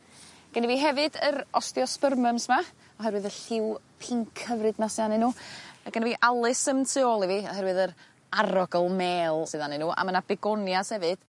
Genni fi hefyd yr osteospermums 'ma oherwydd y lliw pinc hyfryd 'ma sy anyn n'w a genno fi alyssum tu ôl i fi oherwydd yr arogl mêl sydd anyn n'w a ma' 'na begonias hefyd.